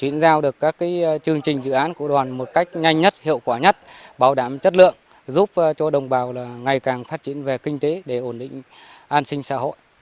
chuyển giao được các cái chương trình dự án của đoàn một cách nhanh nhất hiệu quả nhất bảo đảm chất lượng giúp cho đồng bào là ngày càng phát triển về kinh tế để ổn định an sinh xã hội